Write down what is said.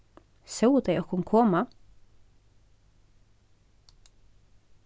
sóu tey okkum koma